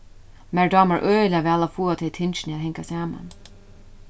mær dámar øgiliga væl at fáa tey tingini at hanga saman